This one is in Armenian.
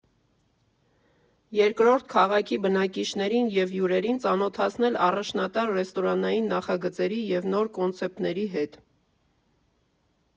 Երկրորդ՝ քաղաքի բնակիչներին և հյուրերին ծանոթացնել առաջատար ռեստորանային նախագծերի և նոր կոնցեպտների հետ։